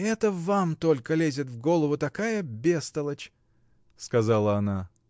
— Это вам только лезет в голову такая бестолочь! — сказала она.